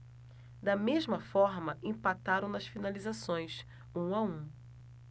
da mesma forma empataram nas finalizações um a um